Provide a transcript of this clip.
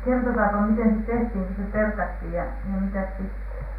kertokaapa miten se tehtiin kun se perattiin ja ja mitäs sitten